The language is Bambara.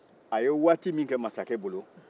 a ye waati min kɛ masakɛ bolo